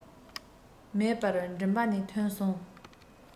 མེད པར མགྲིན པ ནས ཐོན སོང